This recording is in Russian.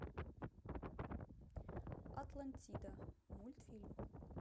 атлантида мультфильм